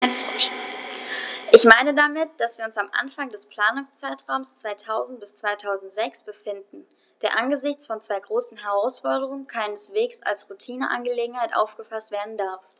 Ich meine damit, dass wir uns am Anfang des Planungszeitraums 2000-2006 befinden, der angesichts von zwei großen Herausforderungen keineswegs als Routineangelegenheit aufgefaßt werden darf.